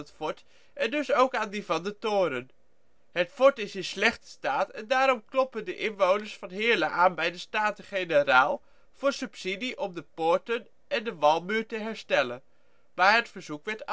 fort en dus ook aan die van de toren. Het fort is in slechte staat en daarom kloppen de inwoners van Heerlen aan bij de Staten Generaal voor subsidie om de poorten en de walmuur te herstellen, maar het verzoek werd afgewezen